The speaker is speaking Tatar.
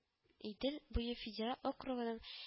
Идел буе федерал округының